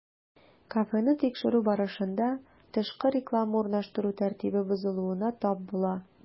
Кафены тикшерү барышында, тышкы реклама урнаштыру тәртибе бозылуына тап була.